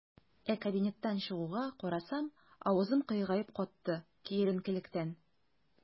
Ә кабинеттан чыгуга, карасам - авызым кыегаеп катты, киеренкелектән.